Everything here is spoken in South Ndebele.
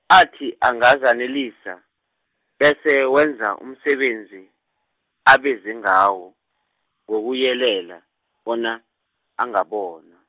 athi angazanelisa, bese wenza umsebenzi, abeze ngawo, ngokuyelela, bona, angabona.